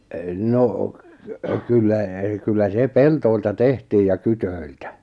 no kyllä kyllä se pelloilta tehtiin ja kydöiltä